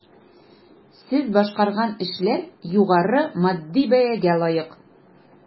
Сез башкарган эшләр югары матди бәягә лаек.